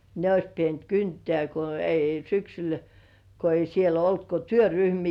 ne olisi pitänyt kyntää kun ei syksyllä kun ei siellä ollut kuin työryhmiä